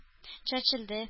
Чәчелде